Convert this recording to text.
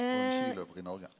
og ein skiløpar i Noreg.